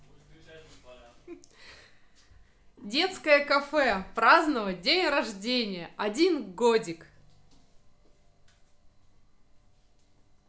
детское кафе праздновать день рождения один годик